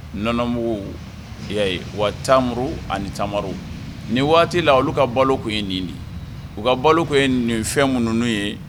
Nbo'a ye wa ani tama ni waati la olu ka balo tun ye nin u ka balo tun ye nin ye fɛn kun ninnu ye